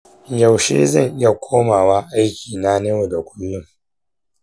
yaushe zan iya komawa aikina na yau da kullum?